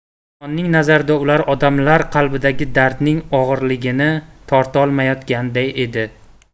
zelixonning nazarida ular odamlar qalbidagi dardning og'irligini tortolmayotganday edi